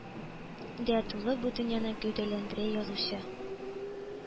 Дә тулы бу дөньяны гәүдәләндерә язучы